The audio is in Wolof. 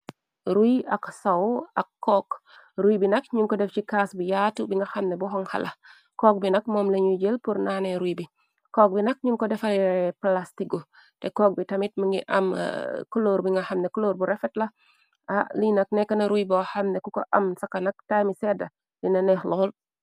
Ruy ak saw ak cook ruy bi nak ñun ko def ci kaas bu yaatu bi nga xamne bu xonxala coog bi nak moom lañuy jël pur naanee ruy bi kook bi nak ñun ko defare plastigu te koog bi tamit mingi am culoor bi nga xamne cloor bu refet la linak nekkna ruy bo xamne ku ko am saxa nak taymi sedda dina neex lool.